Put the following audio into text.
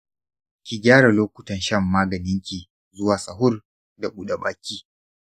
ki gyara lokutan shan maganinki zuwa sahur da buɗa baki.